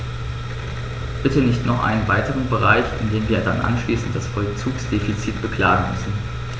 Bitte nicht noch einen weiteren Bereich, in dem wir dann anschließend das Vollzugsdefizit beklagen müssen.